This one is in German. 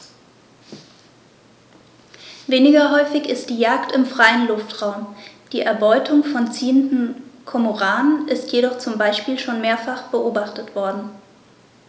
Weniger häufig ist die Jagd im freien Luftraum; die Erbeutung von ziehenden Kormoranen ist jedoch zum Beispiel schon mehrfach beobachtet worden.